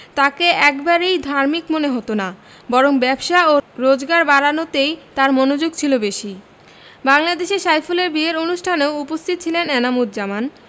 তাঁকে একেবারেই ধার্মিক মনে হতো না বরং ব্যবসা ও রোজগার বাড়ানোতেই তাঁর মনোযোগ ছিল বেশি বাংলাদেশে সাইফুলের বিয়ের অনুষ্ঠানেও উপস্থিত ছিলেন এনাম উজজামান